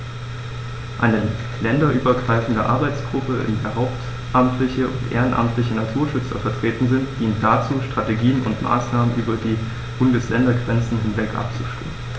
Eine länderübergreifende Arbeitsgruppe, in der hauptamtliche und ehrenamtliche Naturschützer vertreten sind, dient dazu, Strategien und Maßnahmen über die Bundesländergrenzen hinweg abzustimmen.